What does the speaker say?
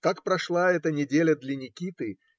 Как прошла эта неделя для Никиты